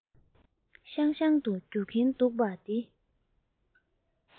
ཤང ཤང དུ རྒྱུག གིན འདུག པ འདི